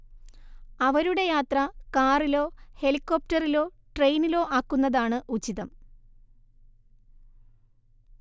അവരുടെ യാത്ര കാറിലോ ഹെലികോ്ര്രപറിലോ ട്രെയിനിലോ ആക്കുന്നതാണ് ഉചിതം